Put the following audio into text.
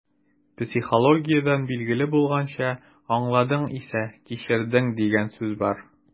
Психологиядән билгеле булганча, «аңладың исә - кичердең» дигән сүз бар.